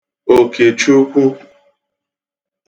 Òkèchukwu